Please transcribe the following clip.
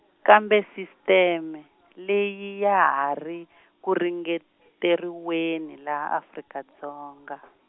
kambe sisiteme, leyi ya ha ri, ku ringeteriweni laha Afrika Dzonga.